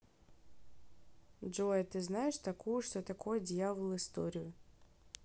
джой а ты знаешь такую что такое дьявол историю